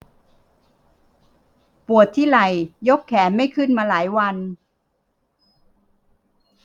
ปวดที่ไหล่ยกแขนไม่ขึ้นมาหลายวัน